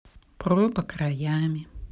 проба краями